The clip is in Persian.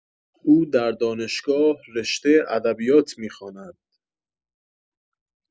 او در دانشگاه رشته ادبیات می‌خواند